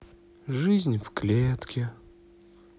жизнь в клетке